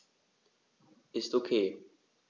Ist OK.